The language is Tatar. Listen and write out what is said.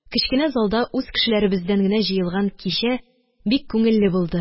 Кечкенә залда үз кешеләребездән генә җыелган кичә бик күңелле булды.